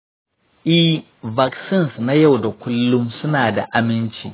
eh, vaccines na yau da kullum suna da aminci.